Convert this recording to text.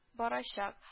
Барачак